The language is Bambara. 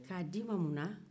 k'a di i ma muna